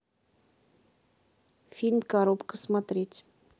фильм коробка смотреть